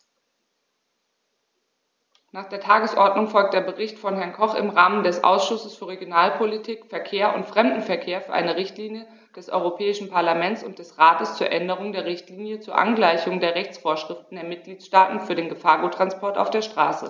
Nach der Tagesordnung folgt der Bericht von Herrn Koch im Namen des Ausschusses für Regionalpolitik, Verkehr und Fremdenverkehr für eine Richtlinie des Europäischen Parlament und des Rates zur Änderung der Richtlinie zur Angleichung der Rechtsvorschriften der Mitgliedstaaten für den Gefahrguttransport auf der Straße.